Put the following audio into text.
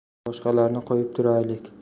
boshqalarni qo'yib turaylik